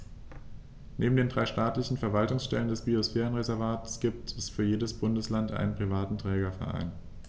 Neben den drei staatlichen Verwaltungsstellen des Biosphärenreservates gibt es für jedes Bundesland einen privaten Trägerverein.